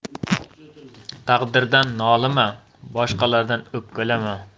taqdirdan nolima boshqalardan o'pkalama